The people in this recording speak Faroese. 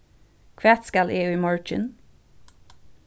hvat skal eg í morgin